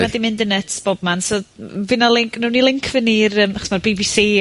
...wedi mynd yn nyts bobman. So m- f- fy' 'na linc newn ni linc fynny i'r yym, 'chos ma'r Bee Bee See